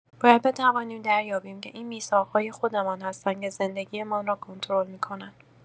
باید بتوانیم دریابیم که این میثاق‌های خودمان هستند که زندگی‌مان را کنترل می‌کنند.